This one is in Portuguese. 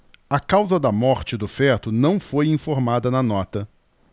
a causa da morte do feto não foi informada na nota